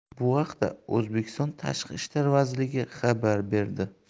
bu haqda o'zbekiston tashqi ishlar vazirligi xabar berdi